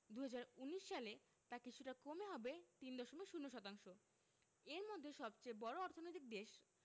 ২০১৯ সালে তা কিছুটা কমে হবে ৩.০ শতাংশ এর মধ্যে সবচেয়ে বড় অর্থনৈতিক দেশ